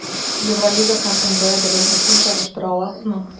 Евролига һәм НБА дәрәҗәсен чагыштыра аласызмы?